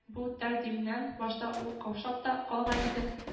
Бу тәкъдимнән башта ул каушап та калган иде